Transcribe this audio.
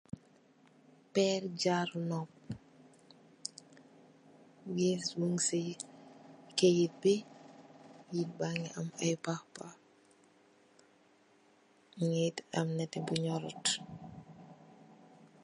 Pere jaru nup wesi mugsi keyet bi, keyet ba ngi am ai pahpah. munge am nette bu nyorut.